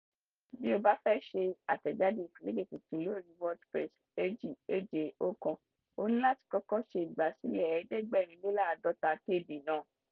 Bí o bá fẹ́ ṣe àtẹ̀jáde ìfiléde tuntun kan lórí WordPress (2.7.1), ó ní láti kọ́kọ́ ṣe ìgbàsílẹ̀ 750kb ná.